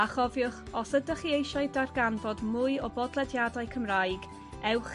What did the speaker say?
A chofiwch os ydych chi eisiau darganfod mwy o bodlediadau Cymraeg ewch